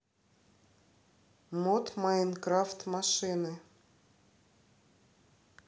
мод майнкрафт машины